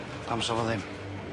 Pam sa fo ddim?